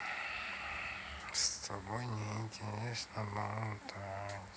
с тобой неинтересно болтать